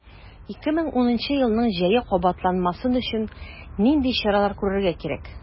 2010 елның җәе кабатланмасын өчен нинди чаралар күрергә кирәк?